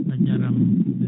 a jarama no fewi